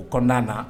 U kɔnɔna na